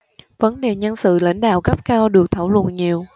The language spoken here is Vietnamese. vấn đề nhân sự lãnh đạo cấp cao được thảo luận nhiều